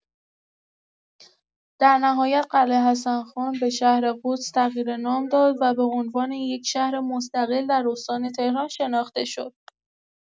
در نهایت، قلعه حسن‌خان به شهر قدس تغییر نام داد و به عنوان یک شهر مستقل در استان تهران شناخته شد.